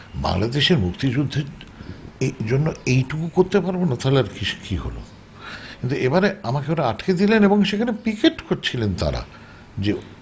বাংলাদেশের মুক্তিযুদ্ধের জন্য এইটুকু করতে পারব না তাহলে আর কি সে কি হলো কিন্তু এবারে আমাকে ওরা আটকে দিলেন এবং সেখানে পিকেট করছিলেন তারা যে